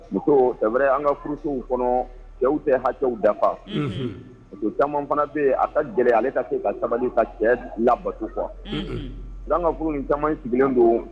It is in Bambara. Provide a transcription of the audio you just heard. Muso daɛrɛ an ka furusow kɔnɔ cɛw tɛ ha cɛww dafafa muso caman fana bɛ a ka gɛlɛya ale ka se ka sabali ka cɛ labatu kuwa an ka furu ni caman in sigilen don